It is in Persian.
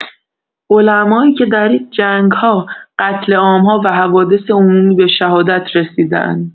علمایی که در جنگ‌ها، قتل عام‌ها و حوادث عمومی به شهادت رسیده‌اند